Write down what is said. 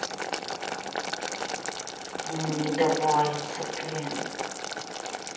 не давается ты